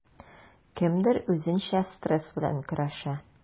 Кемдер үзенчә стресс белән көрәшә.